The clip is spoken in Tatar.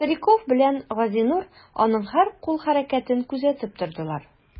Стариков белән Газинур аның һәр кул хәрәкәтен күзәтеп тордылар.